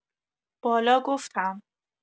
بالا گفتم